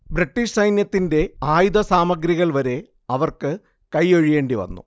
British സൈന്യത്തിന്റെ ആയുധസാമഗ്രികൾ വരെ അവർക്ക് കൈയ്യൊഴിയേണ്ടി വന്നു